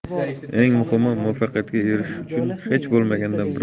eng muhimi muvaffaqiyatga erishish uchun hech bo'lmaganda